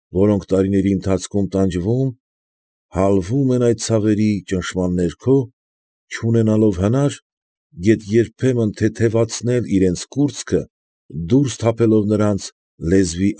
Որոնք տարիների ընթացքում տանջվում, հալվում են այդ ցավերի ճնշման ներքո, չունենալով հնար, գեթ երբեմն թեթևացնել իրանց կուրծքը, դուրս թափելով նրանց՝ լեզվի։